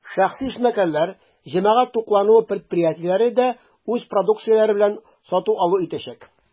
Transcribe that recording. Шәхси эшмәкәрләр, җәмәгать туклануы предприятиеләре дә үз продукцияләре белән сату-алу итәчәк.